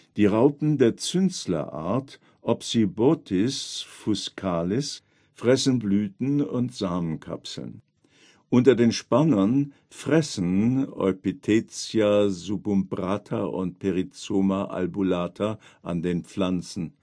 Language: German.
Die Raupen der Zünsler-Art Opsibotys fuscalis fressen Blüten und Samenkapseln, unter den Spannern fressen Eupithecia subumbrata und Perizoma albulata an den Pflanzen